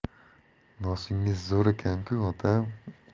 nosingiz zo'r ekan ku otam